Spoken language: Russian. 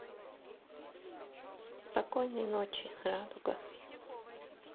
спокойной ночи радуга